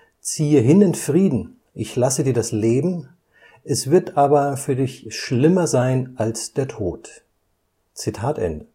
Ziehe hin in Frieden, ich lasse dir das Leben, es wird aber für dich schlimmer sein als der Tod. “In